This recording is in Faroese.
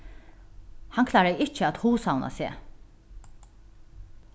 hann kláraði ikki at hugsavna seg